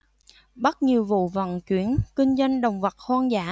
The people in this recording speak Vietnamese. bắt nhiều vụ vận chuyển kinh doanh động vật hoang dã